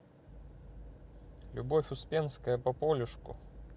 любовь успенская по полюшку